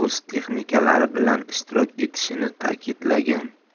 o'z texnikalari bilan ishtirok etishini ta'kidlagan